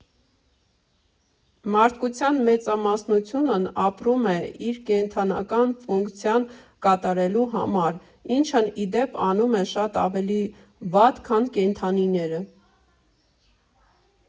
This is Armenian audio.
Մարդկության մեծամասնությունն ապրում է իր՝ կենդանական ֆունկցիան կատարելու համար, ինչն, ի դեպ, անում է շատ ավելի վատ, քան կենդանիները։